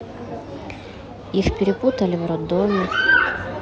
их перепутали в роддоме